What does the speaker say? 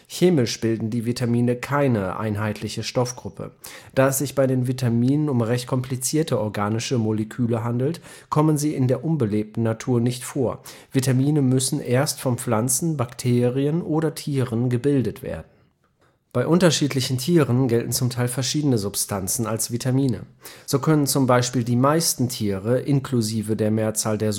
Chemisch bilden die Vitamine keine einheitliche Stoffgruppe. Da es sich bei den Vitaminen um recht komplizierte organische Moleküle handelt, kommen sie in der unbelebten Natur nicht vor. Vitamine müssen erst von Pflanzen, Bakterien oder Tieren gebildet werden. Bei unterschiedlichen Tieren gelten zum Teil verschiedene Substanzen als Vitamine. So können z. B. die meisten Tiere inklusive die Mehrzahl der